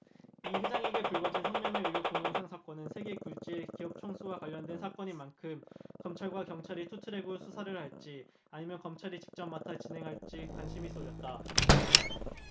이 회장에게 불거진 성매매 의혹 동영상 사건은 세계 굴지의 기업 총수와 관련된 사건인 만큼 검찰과 경찰이 투트랙으로 수사할지 아니면 검찰이 직접 맡아 진행할지 관심이 쏠렸다